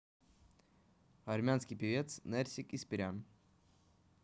армянский певец nersik ispiryan